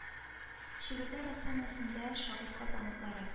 Шигырьдә рәссам рәсемдә шагыйрь казан утлары